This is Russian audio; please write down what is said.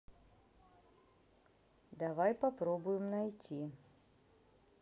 давай попробуем найти